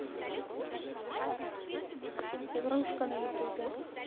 игрушка на ютюбе